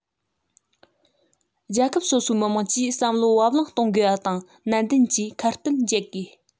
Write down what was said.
རྒྱལ ཁབ སོ སོའི མི དམངས ཀྱིས བསམ བློ བབ བརླིང གཏོང དགོས པ དང ནན ཏན གྱིས ཁ གཏད འཇལ དགོས